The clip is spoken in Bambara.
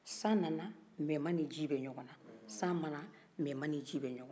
san nana mɛma nin jii bɛ ɲɔgɔn na san ma na mɛma ni jii bɛ ɲɔgɔn na